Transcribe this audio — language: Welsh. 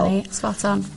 Na ni spot-on.